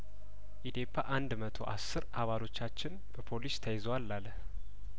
ኢዴፓ አንድ መቶ አስር አባሎቻችን በፖሊስ ተይዘዋል አለ